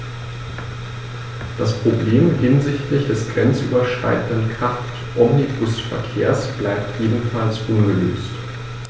Das Problem hinsichtlich des grenzüberschreitenden Kraftomnibusverkehrs bleibt ebenfalls ungelöst.